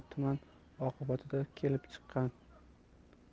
tuman oqibatida kelib chiqqan